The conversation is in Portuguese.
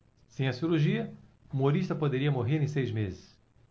sem a cirurgia humorista poderia morrer em seis meses